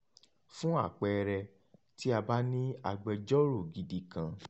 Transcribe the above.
Fún àpẹẹrẹ, tí a bá ní agbẹjọ́rò gidi kan.